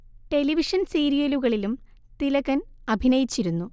television സീരിയലുകളിലും തിലകൻ അഭിനയിച്ചിരുന്നു